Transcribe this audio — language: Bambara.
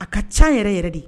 A ka ca yɛrɛ yɛrɛ de ye